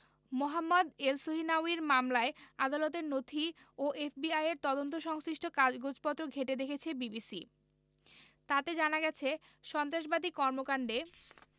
মোহাম্মদ এলসহিনাউয়ির মামলায় আদালতের নথি ও এফবিআইয়ের তদন্ত সংশ্লিষ্ট কাগজপত্র ঘেঁটে দেখেছে বিবিসি তাতে জানা গেছে সন্ত্রাসবাদী কর্মকাণ্ডে